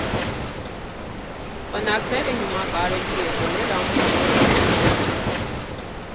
Պնակները հիմա կարելի է գնել ամենուր։